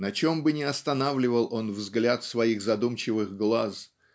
На чем бы ни останавливал он взгляд своих задумчивых глаз